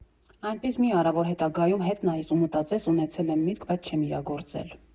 Այնպես մի՛ արա, որ հետագայում հետ նայես ու մտածես՝ ունեցել եմ միտք, բայց չեմ իրագործել։